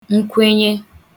nkwenye